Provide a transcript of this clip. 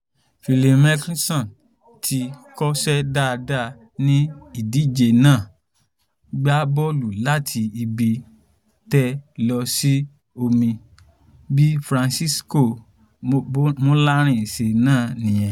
Phil Mickelson, tí kò ṣe dáadáa ní ìdíje náà, gbá bọ́ọ̀lù láti ibi tee lọ sínú omi. Bí Francesco Molinari ṣe nàá nìyẹn.